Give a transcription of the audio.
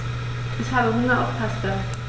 Ich habe Hunger auf Pasta.